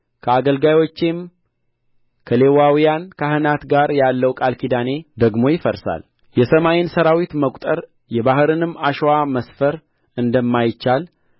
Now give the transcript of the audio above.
ከአገልጋዮቼም ከሌዋውያን ካህናት ጋር ያለው ቃል ኪዳኔ ደግሞ ይፈርሳል የሰማይን ሠራዊት መቍጠር የባሕርንም አሸዋ መስፈር እንደማይቻል